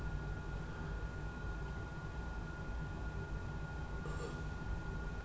tað er altíð stuttligt at síggja broytingina